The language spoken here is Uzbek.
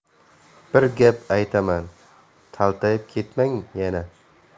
bir gap aytaman taltayib ketmang yana